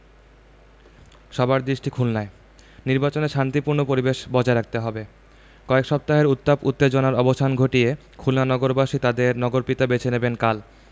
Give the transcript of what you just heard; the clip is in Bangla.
সবার দৃষ্টি খুলনায় নির্বাচনে শান্তিপূর্ণ পরিবেশ বজায় রাখতে হবে কয়েক সপ্তাহের উত্তাপ উত্তেজনার অবসান ঘটিয়ে খুলনা নগরবাসী তাঁদের নগরপিতা বেছে নেবেন কাল